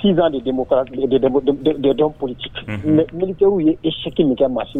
Sinoli ye eseki min kɛsi